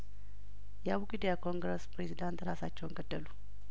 የአቡጊዳ ኮንግረስ ፕሬዝዳንት ራሳቸውን ገደሉ